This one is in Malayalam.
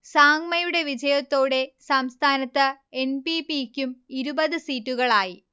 സാങ്മയുടെ വിജയത്തോടെ സംസ്ഥാനത്ത്എൻ. പി. പി. ക്കും ഇരുപത് സീറ്റുകളായി